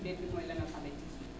bu njëkk bi mooy l' analphabétisme